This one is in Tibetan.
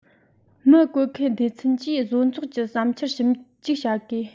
མི བཀོལ མཁན སྡེ ཚན གྱིས བཟོ ཚོགས ཀྱི བསམ འཆར ཞིབ འཇུག བྱ དགོས